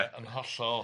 Ia yn hollol.